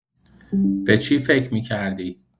به چی فکر می‌کردی؟